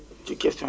d' accord